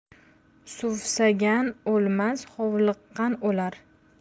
suvsagan o'lmas hovliqqan o'lar